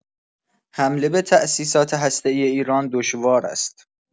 حمله به تاسیاست هسته‌ای ایران دشوار است.